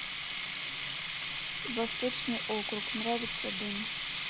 восточный округ нравится дым